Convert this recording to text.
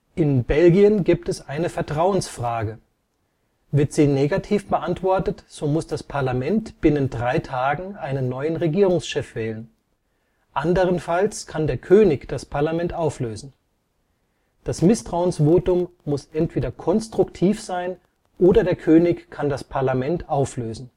In Belgien gibt es eine Vertrauensfrage. Wird sie negativ beantwortet, so muss das Parlament binnen drei Tagen einen neuen Regierungschef wählen. Anderenfalls kann der König das Parlament auflösen. Das Misstrauensvotum muss entweder konstruktiv sein oder der König kann das Parlament auflösen